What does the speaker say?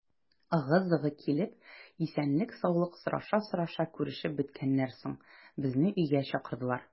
Ыгы-зыгы килеп, исәнлек-саулык сораша-сораша күрешеп беткәннән соң, безне өйгә чакырдылар.